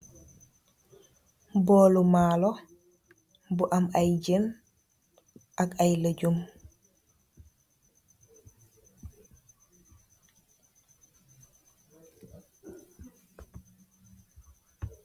Bowli marlo bu am ay jeen ak ay lejum.